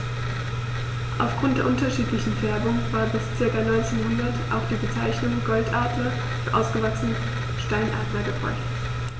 Auf Grund der unterschiedlichen Färbung war bis ca. 1900 auch die Bezeichnung Goldadler für ausgewachsene Steinadler gebräuchlich.